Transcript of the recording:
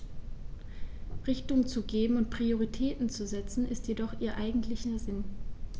Richtung zu geben und Prioritäten zu setzen, ist jedoch ihr eigentlicher Sinn.